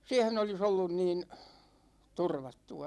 siihen olisi ollut niin turvattua